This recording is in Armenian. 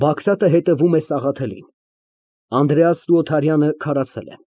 ԲԱԳՐԱՏ ֊ (Հետևում է Սաղաթելին)։ ԱՆԴՐԵԱՍՆ ՈՒ ՕԹԱՐՅԱՆԸ Քարացել են։